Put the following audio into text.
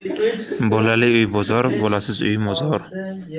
bolali uy bozor bolasiz uy mozor